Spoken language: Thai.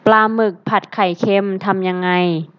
ปลาหมึกผัดไข่เค็มทำยังไง